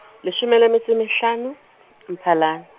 leshome le metso e mehlano, Mphalane.